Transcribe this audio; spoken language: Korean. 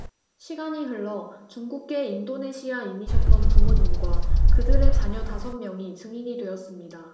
시간이 흘러 중국계 인도네시아인이셨던 부모님과 그들의 자녀 다섯 명이 증인이 되었습니다